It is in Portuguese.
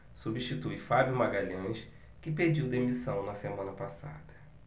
substitui fábio magalhães que pediu demissão na semana passada